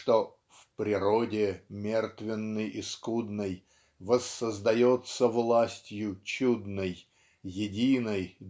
что "в природе мертвенной и скудной воссоздается властью чудной единой